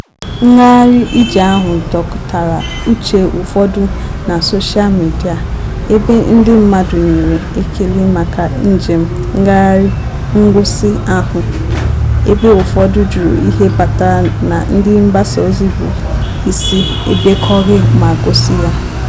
Ngagharị ije ahụ dọtara uche ụfọdụ na soshaa midia ebe ndị mmadụ nyere ekele maka njem ngagharị ngosi ahụ ebe ụfọdụ jụrụ ihe kpatara na ndị mgbasa ozi bụ isi edekọghị ma gosi ya.